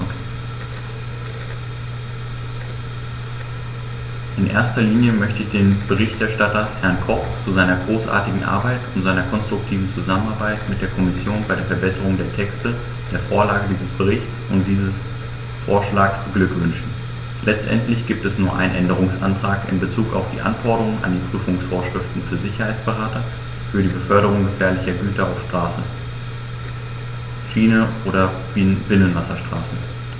In erster Linie möchte ich den Berichterstatter, Herrn Koch, zu seiner großartigen Arbeit und seiner konstruktiven Zusammenarbeit mit der Kommission bei der Verbesserung der Texte, der Vorlage dieses Berichts und dieses Vorschlags beglückwünschen; letztendlich gibt es nur einen Änderungsantrag in bezug auf die Anforderungen an die Prüfungsvorschriften für Sicherheitsberater für die Beförderung gefährlicher Güter auf Straße, Schiene oder Binnenwasserstraßen.